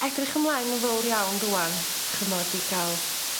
edrych ymlaen yn fowr iawn rŵan ch'mod i ga'l